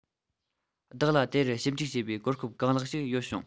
བདག ལ དེ རུ ཞིབ འཇུག བྱེད པའི གོ སྐབས གང ལེགས ཞིག ཡོད བྱུང